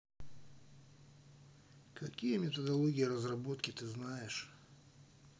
какие методологии разработки ты знаешь